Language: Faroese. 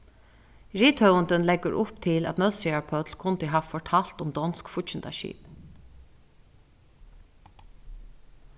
rithøvundin leggur upp til at nólsoyar páll kundi havt fortalt um donsk fíggindaskip